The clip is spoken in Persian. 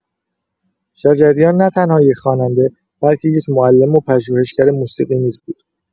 شجریان نه‌تنها یک خواننده، بلکه یک معلم و پژوهشگر موسیقی نیز بود.